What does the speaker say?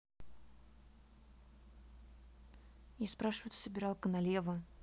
я спрашиваю ты собирал ка налево